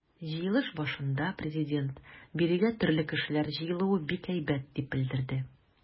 Җыелыш башында Президент: “Бирегә төрле кешеләр җыелуы бик әйбәт", - дип белдерде.